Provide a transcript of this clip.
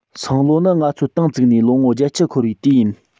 སང ལོ ནི ང ཚོའི ཏང བཙུགས ནས ལོ ངོ བརྒྱད ཅུ འཁོར བའི དུས ཡིན